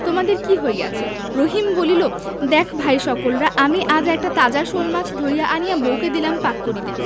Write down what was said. তােমাদের কি হইয়াছে রহিম বলিল দেখ ভাই সকলরা আজ আমি একটা তাজা শােলমাছ ধরিয়া আনিয়া বউকে দিলাম পাক করিতে